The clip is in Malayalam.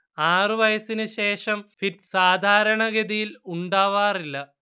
ആറു വയസ്സിനുശേഷം ഫിറ്റ്സ് സാധാരണഗതയിൽ ഉണ്ടാവാറില്ല